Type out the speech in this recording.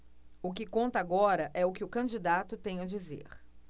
o que conta agora é o que o candidato tem a dizer